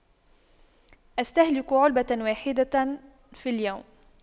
استهلك علبة واحدة في اليوم